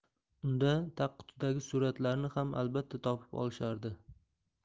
unda tagqutidagi suratlarni ham albatta topib olishardi